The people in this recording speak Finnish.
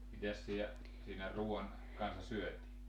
mitäs siiä siinä ruuan kanssa syötiin